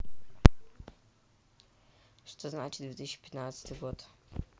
что значит две тысячи пятнадцатый год